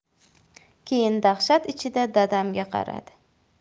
keyin dahshat ichida dadamga qaradi